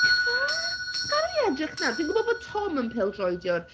Ife? Gadael i fi edrych nawr, dwi'n gwybod bod Tom yn peldroediwr.